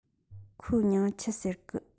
ཁོའི མྱིང ང ཆི ཟེར གི